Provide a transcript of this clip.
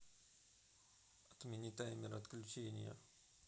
отмени таймер отключения